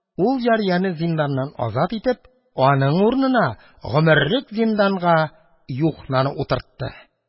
Ул, җарияне зинданнан азат итеп, аның урынына гомерлек зинданга юхнаны утыртты